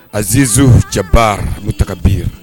A zizo cɛ baara u taga bin yen